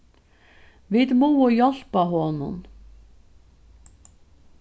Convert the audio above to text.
vit mugu hjálpa honum